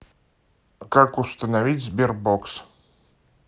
как установить sberbox